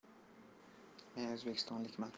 men o'zbekistonlikman